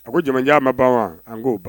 A ko jamajan ma ban wa? Aa n ko ban